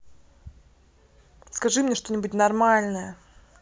скажи мне что нибудь нормальное